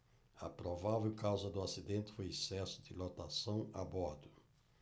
a provável causa do acidente foi excesso de lotação a bordo